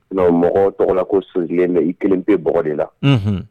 Mɔgɔ tɔgɔ la ko son kelen mɛ i kelen bɛɔgɔ de la